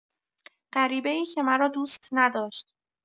غریبه‌ای که مرا دوست نداشت